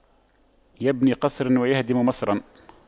يبني قصراً ويهدم مصراً